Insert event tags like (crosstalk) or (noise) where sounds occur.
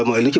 (hesitation) (hesitation)